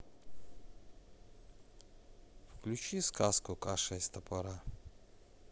включи сказку каша из топора